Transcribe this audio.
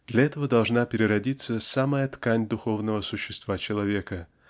Для этого должна переродиться самая ткань духовного существа человека